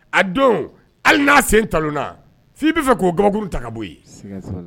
A don hali n'a sen talonna f'i be fɛ k'o gabakuru ta ka bo ye siga t'o la